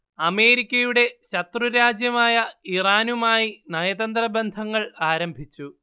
അമേരിക്കയുടെ ശത്രുരാജ്യമായ ഇറാനുമായി നയതന്ത്ര ബന്ധങ്ങൾ ആരംഭിച്ചു